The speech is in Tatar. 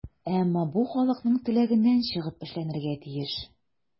Әмма бу халыкның теләгеннән чыгып эшләнергә тиеш.